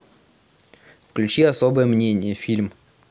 включи особое мнение фильм